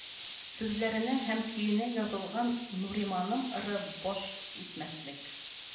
Сүзләренә һәм көенә язылган нуриманым ыры баш итмәслек